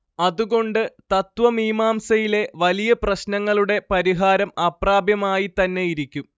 അതുകൊണ്ട് തത്ത്വമീമാംസയിലെ വലിയ പ്രശ്നങ്ങളുടെ പരിഹാരം അപ്രാപ്യമായിത്തന്നെയിരിക്കും